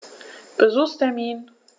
Besuchstermin